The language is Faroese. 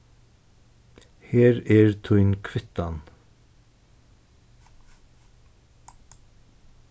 her er tín kvittan